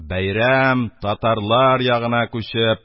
Бәйрәм татарлар ягына күчеп,